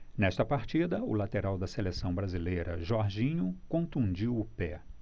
nesta partida o lateral da seleção brasileira jorginho contundiu o pé